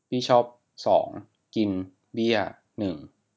บิชอปสองกินเบี้ยหนึ่ง